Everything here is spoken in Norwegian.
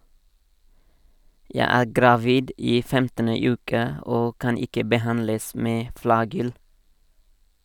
- Jeg er gravid i 15. uke og kan ikke behandles med flagyl.